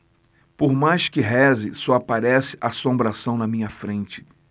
por mais que reze só aparece assombração na minha frente